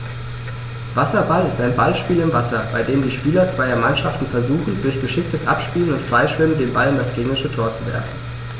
Wasserball ist ein Ballspiel im Wasser, bei dem die Spieler zweier Mannschaften versuchen, durch geschicktes Abspielen und Freischwimmen den Ball in das gegnerische Tor zu werfen.